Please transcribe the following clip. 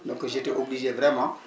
donc j' étais obligé vraiment